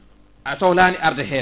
a sohlani arde hen